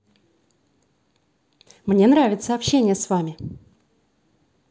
мне нравится общение с вами